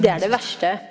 det er det verste.